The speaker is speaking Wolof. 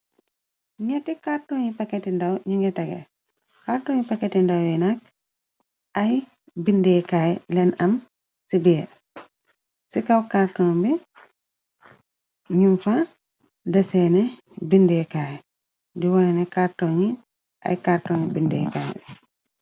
Netti kàrtonyi paketi ndaw ñi nge tage kartongi paketi ndawyi nakk ay bindeekaay leen am ci beir ci kaw kàrton bi ñu fa deseene bindeekaay di wonene kàrto ngi ay kàrtongi bindeekaay bi.